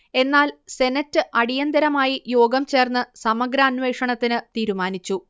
എന്നാൽ സെനറ്റ് അടിയന്തരമായി യോഗം ചേർന്ന് സമഗ്രാന്വേഷണത്തിന് തീരുമാനിച്ചു